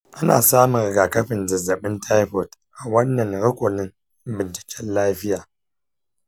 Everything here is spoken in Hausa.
ana samun rigakafin zazzabin taifot a wannan rukunin binciken lafiya